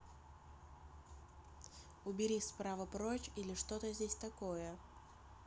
убери справа прочь или что то здесь такое